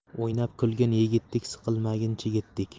o'ynab kulgin yigitdek siqilmagin chigitdek